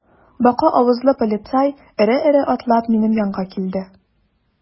Бака авызлы полицай эре-эре атлап минем янга килде.